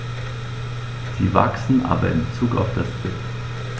Sie wachsen, aber in bezug auf das BIP.